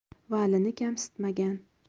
valini kamsitmagan